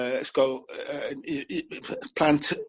yy ysgol yy yy yn i- i- plant